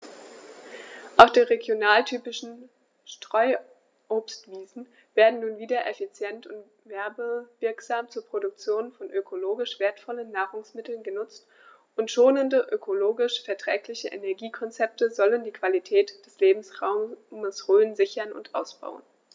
Auch die regionaltypischen Streuobstwiesen werden nun wieder effizient und werbewirksam zur Produktion von ökologisch wertvollen Nahrungsmitteln genutzt, und schonende, ökologisch verträgliche Energiekonzepte sollen die Qualität des Lebensraumes Rhön sichern und ausbauen.